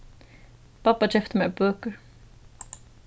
babba keypti mær bøkur